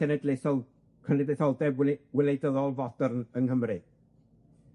cenedlaethol- cenedlaetholdeb wele- weleidyddol fodern yng Nghymru.